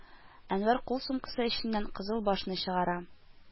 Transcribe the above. Әнвәр кул сумкасы эченнән «кызыл баш»-ны чыгара